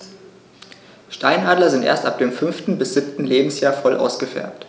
Steinadler sind erst ab dem 5. bis 7. Lebensjahr voll ausgefärbt.